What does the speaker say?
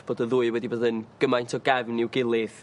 ...bod y ddwy wedi bod yn gymaint o gefn i'w gilydd